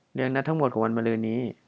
เรียงนัดทั้งหมดของวันมะรืนนี้